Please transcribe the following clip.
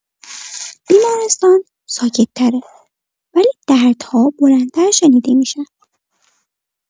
بیمارستان ساکت‌تره، ولی دردها بلندتر شنیده می‌شن.